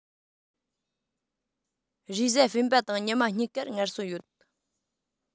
རེས གཟའ སྤེན པ དང ཉི མ གཉིས ཀར ངལ གསོ ཡོད